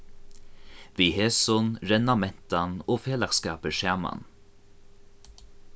við hesum renna mentan og felagsskapur saman